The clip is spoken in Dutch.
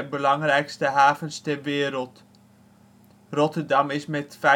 belangrijkste havens ter wereld. Rotterdam is met